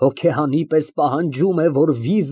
Նկատում է Բագրատի պատրաստությունը)։ Այդ ո՞ւր ես պատրաստվում։